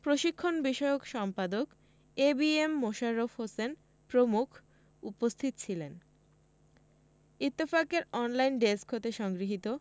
প্রশিক্ষণ বিষয়ক সম্পাদক A B M Mosharraf Hossain প্রমুখ উপস্থিত ছিলেন ইত্তফাকের অনলাইন ডেস্ক হতে সংগৃহীত